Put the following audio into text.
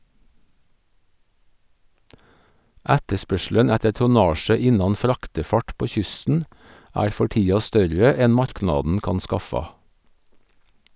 Etterspørselen etter tonnasje innan fraktefart på kysten er for tida større enn marknaden kan skaffa.